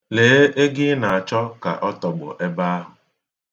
Lee ego ị na-achọ ka ọ tọgbọ ebe ahụ.